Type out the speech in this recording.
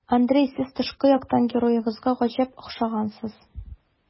Андрей, сез тышкы яктан героегызга гаҗәп охшагансыз.